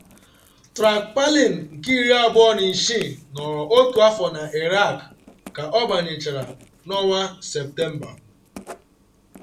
Track Palin, nke iri abụọ na isii, nọrọ otu afọ na Iraq ka ọ banyechara na Sept.